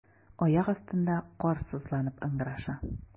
Аяк астында кар сызланып ыңгыраша.